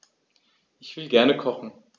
Ich will gerne kochen.